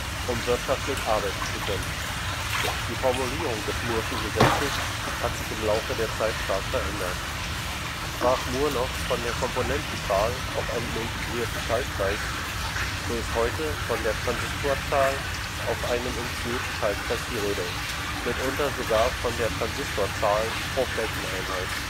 um wirtschaftlich arbeiten zu können. Die Formulierung des mooreschen Gesetzes hat sich im Laufe der Zeit stark verändert. Sprach Moore noch von der Komponentenanzahl auf einem integrierten Schaltkreis, so ist heute von der Transistoranzahl auf einem integrierten Schaltkreis die Rede, mitunter sogar von der Transistoranzahl pro Flächeneinheit